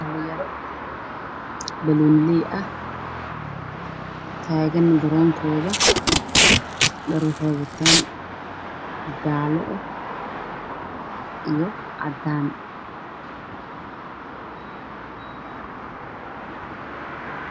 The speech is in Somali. Waa ciyaartoy taagan garoonkooda